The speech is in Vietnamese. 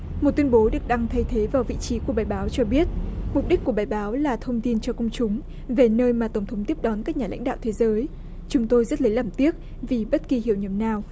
một tuyên bố được đăng thay thế vào vị trí của bài báo cho biết mục đích của bài báo là thông tin cho công chúng về nơi mà tổng thống tiếp đón các nhà lãnh đạo thế giới chúng tôi rất lấy làm tiếc vì bất kì hiểu nhầm nào